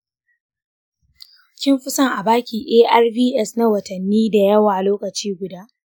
kin fi son a ba ki arvs na watanni da yawa lokaci guda?